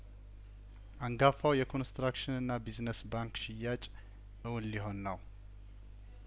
አንጋፋው የኮንስትራክሽንና ቢዝነስ ባንክ ሽያጭ እውን ሊሆን ነው